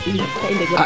i kaa i mbeg waa